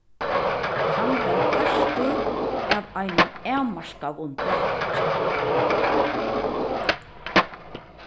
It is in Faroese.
hann var partur av einum avmarkaðum bólki